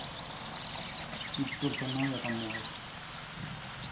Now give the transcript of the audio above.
ты только на это можешь